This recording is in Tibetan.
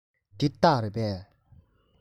འདི སྟག རེད པས